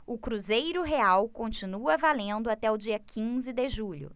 o cruzeiro real continua valendo até o dia quinze de julho